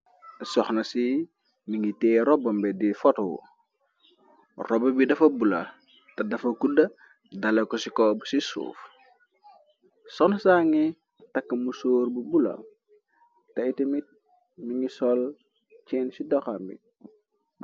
Soxna ci mi ngi tee robambe di fotou roba bi dafa bula te dafa kudda dale ko ci kobu ci suuf soxn sange tak mu soor bu bula te ite mit mi ngi sol ceen ci doxambi.